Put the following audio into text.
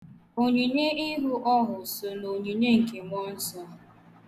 Onyinye ịhụ ọhụ so n' onyinye nke mụọnsọ.